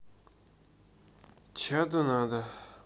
чаду надо